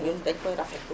ñun dañu koy rafetlu